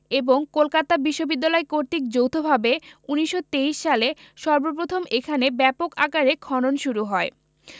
এবং কলকাতা বিশ্ববিদ্যালয় কর্তৃক যৌথভাবে ১৯২৩ সালে সর্বপ্রথম এখানে ব্যাপক আকারে খনন শুরু হয়